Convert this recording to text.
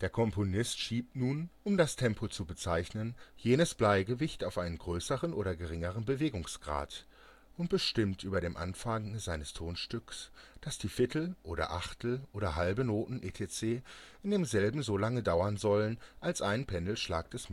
Componist schiebt nun, um das Tempo zu bezeichnen, jenes Bleigewicht auf einen größern oder geringern Bewegungsgrad [...], und bestimmt über dem Anfange seines Tonstücks, daß die Viertel, oder Achtel, oder halbe Noten etc. in demselben so lange dauern sollen, als ein Pendelschlag des